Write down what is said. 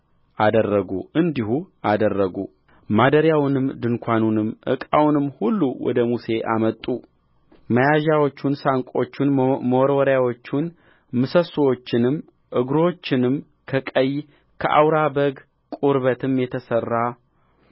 አደረጉ እንዲሁ አደረጉ ማደሪያውንም ድንኳኑንም ዕቃውንም ሁሉ ወደ ሙሴ አመጡ መያዣዎቹን ሳንቆቹን መወርወሪያዎቹን ምሰሶቹንም እግሮቹንም ከቀይ ከአውራ በግ ቁርበትም የተሠራ